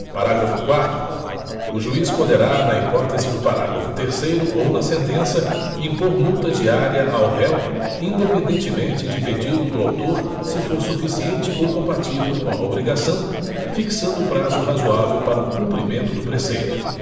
parágrafo quarto o juiz poderá na hipótese do parágrafo terceiro ou na sentença impor multa diária ao réu independentemente de pedido do autor se for suficiente ou compatível com a obrigação fixando prazo razoável para o cumprimento do preceito